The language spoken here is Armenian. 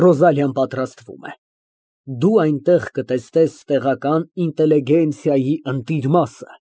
Ռոզալիան պատրաստվում է։ Դու այնտեղ կտեսնեն տեղական ինտելիգենցիայի ընտիր մասը։